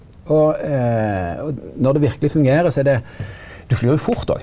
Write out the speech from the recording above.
og og når det verkeleg fungerer så er det du flyr jo fort òg.